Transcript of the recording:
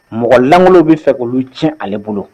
Mɔgɔ langolo bɛ fɛ k olu tiɲɛ ale bolo